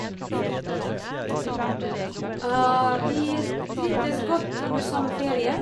Vi trivdes godt under sommerferie.